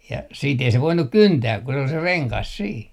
ja sitten ei se voinut kyntää kun se oli se rengas siinä